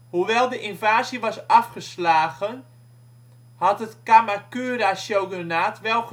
Hoewel de invasie was afgeslagen, had het Kamakura-shogunaat wel